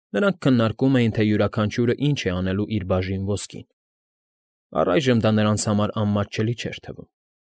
Նրանք քննարկում էին, թե յուրաքանչյուրն ինչ է անելու իր բաժին ոսկին (առայժմ դա նրանց անմատչելի չէր թվում)։